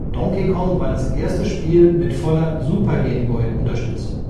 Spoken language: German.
Donkey Kong war das erste Spiel mit voller Super-Game-Boy-Unterstützung